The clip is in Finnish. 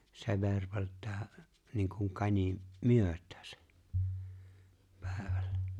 se virveltää niin kuin kani myötäänsä päivällä